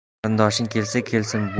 qarindoshing kelsa kelsin